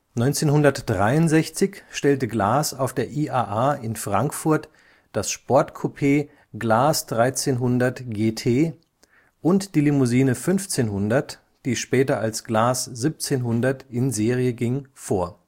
1963 stellte Glas auf der IAA in Frankfurt das Sportcoupé Glas 1300 GT und die Limousine 1500, die später als Glas 1700 in Serie ging vor